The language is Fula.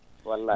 wallay